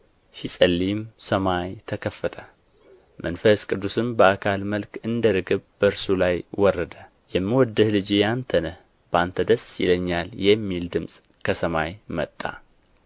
ሲጸልይም ሰማይ ተከፈተ መንፈስ ቅዱስም በአካል መልክ እንደ ርግብ በእርሱ ላይ ወረደ የምወድህ ልጄ አንተ ነህ በአንተ ደስ ይለኛል የሚል ድምፅም ከሰማይ መጣ